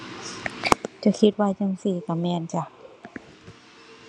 เจ้าคิดว่าจั่งซี้ ก็แม่นจ้ะ